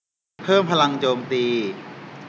เพิ่มพลังโจมตี